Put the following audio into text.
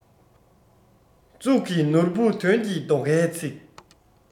གཙུག གི ནོར བུ དོན གྱི རྡོ ཁའི ཚིག